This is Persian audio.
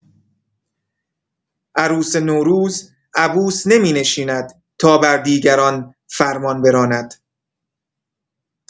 عروس نوروز، عبوس نمی‌نشیند تا بر دیگران فرمان براند.